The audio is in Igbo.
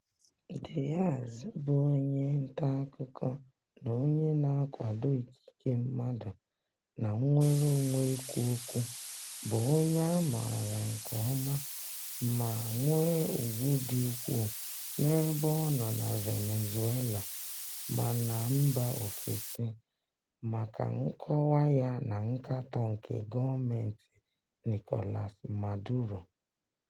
Díaz bụ onye nta akụkọ na onye na-akwado ikike mmadụ na nnwere onwe ikwu okwu bụ onye a maara nke ọma ma nwee ùgwù dị ukwuu n'ebe ọ nọ na Venezuela ma na mba ofesi maka nkọwa ya na nkatọ nke gọọmentị Nicolas Maduro.